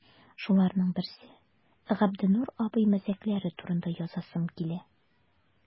Шуларның берсе – Габделнур абый мәзәкләре турында язасым килә.